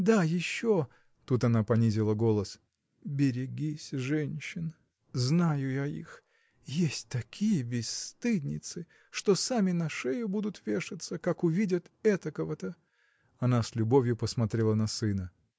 Да еще (тут она понизила голос) берегись женщин! Знаю я их! Есть такие бесстыдницы что сами на шею будут вешаться как увидят этакого-то. Она с любовью посмотрела на сына.